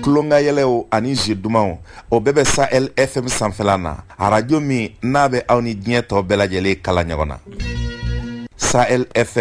tulonkanyw ani z dumanumaw o bɛɛ bɛ sa efɛ sanfɛ na a arajo min n a bɛ aw ni diɲɛ tɔ bɛɛ lajɛlen kala ɲɔgɔn na sa ef